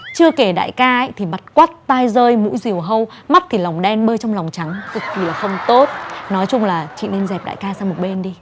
chưa kể đại ca ấy thì mặt quắt tai dơi mũi diều hâu mắt thì lòng đen bơi trong lòng trắng cực kì là không tốt nói chung là chị nên dẹp đại ca sang một bên đi